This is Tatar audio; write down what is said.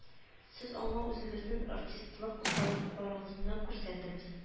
Сез аңа үзегезнең артистлык осталыкларыгызны күрсәтегез